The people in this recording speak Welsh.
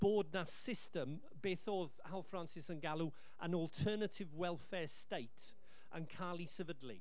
bod 'na system, beth oedd Hal Francis yn galw, yn alternative welfare state, yn cael ei sefydlu.